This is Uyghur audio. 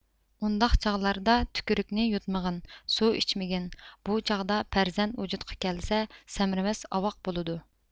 ئۇنداق چاغلاردا تۈكۈرۈكنى يۇتمىغىن سۇ ئىچمىگىن بۇچاغدا پەرزەنت ۋۇجۇدقا كەلسە سەمرىمەس ئاۋاق بولىدۇ